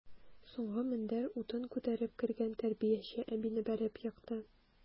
Соңгы мендәр утын күтәреп кергән тәрбияче әбине бәреп екты.